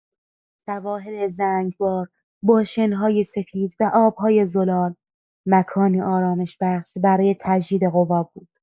سواحل زنگبار با شن‌های سفید و آب‌های زلال، مکانی آرامش‌بخش برای تجدید قوا بود.